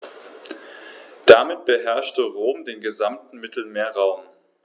Damit beherrschte Rom den gesamten Mittelmeerraum.